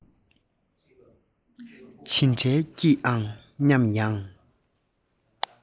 ཇི འདྲའི སྐྱིད ཨང སྙམ ཡང